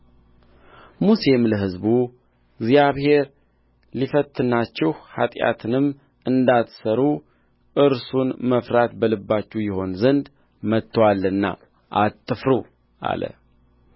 ሙሴም ለሕዝቡ እግዚአብሔር ሊፈትናችሁ ኃጢያትንም እንዳትሠሩ እርሱን መፍራት በልባችሁ ይሆን ዘንድ መጥቶአልና አትፍሩ አለ